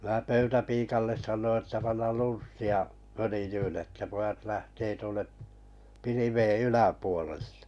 minä pöytäpiialle sanoin että panna lunssia följyyn että pojat lähtee tuonne pilvien yläpuolelle